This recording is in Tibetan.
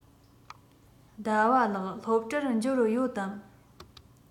ཟླ བ ལགས སློབ གྲྭར འབྱོར ཡོད དམ